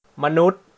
มนุษย์